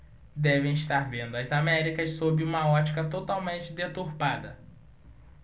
devem estar vendo as américas sob uma ótica totalmente deturpada